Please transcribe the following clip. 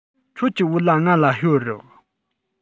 ཁྱོད ཀྱི བོད ལྭ ང ལ གཡོར རོགས